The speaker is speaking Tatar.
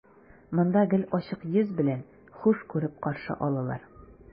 Монда гел ачык йөз белән, хуш күреп каршы алалар.